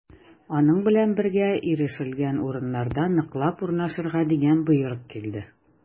Аның белән бергә ирешелгән урыннарда ныклап урнашырга дигән боерык килде.